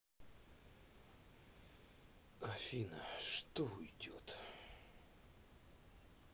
афина что уйдет